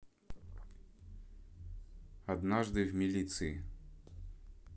однажды в милиции